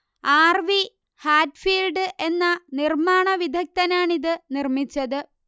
R V Hatfield എന്ന നിർമ്മാണ വിദഗ്ദ്ധനാണിത് നിർമ്മിച്ചത്